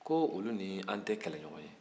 ko olu ni an tɛ kɛlɛɲɔgɔn ye